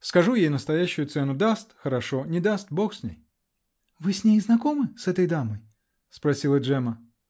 Скажу ей настоящую цену: даст -- хорошо; не даст -- бог с ней! -- Вы с ней знакомы. с этой дамой? -- спросила Джемма.